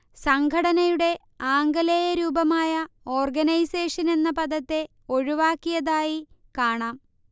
സംഘടനയുടെ ആംഗലേയ രൂപമായ ഓർഗനൈസേഷൻ എന്ന പദത്തെ ഒഴിവാക്കിയതായി കാണാം